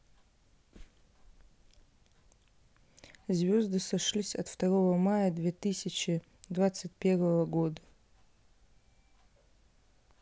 звезды сошлись от второго мая две тысячи двадцать первого года